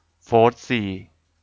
โฟธสี่